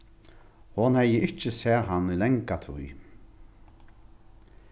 hon hevði ikki sæð hann í langa tíð